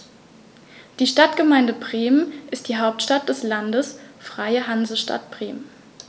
Die Stadtgemeinde Bremen ist die Hauptstadt des Landes Freie Hansestadt Bremen.